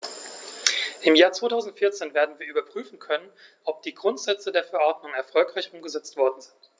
Im Jahr 2014 werden wir überprüfen können, ob die Grundsätze der Verordnung erfolgreich umgesetzt worden sind.